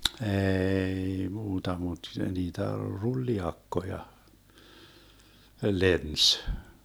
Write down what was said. ei muuta mutta niitä trulliakkoja lensi